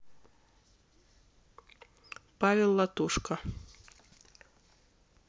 павел латушко